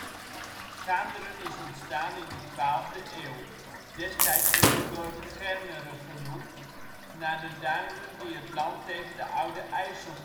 Gaanderen is ontstaan in de twaalfde eeuw. Destijds werd het dorp Gernere genoemd, naar de duinen die het land tegen de Oude IJssel beschermden